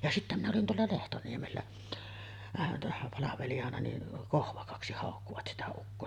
ja sitten minä olin täällä Lehtoniemellä aivan tässä palvelijana niin Kohvakaksi haukkuivat sitä ukkoa